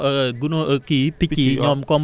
waaw dugub yi ñoo gunóo kii yi